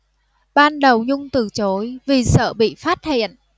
ban đầu nhung từ chối vì sợ bị phát hiện